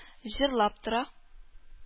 Җырлап тора